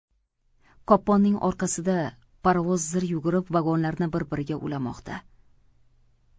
kopponning orqasida parovoz zir yugurib vagonlarni bir biriga ulamoqda